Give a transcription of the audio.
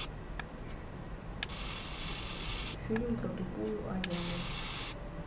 фильм про тупую аяну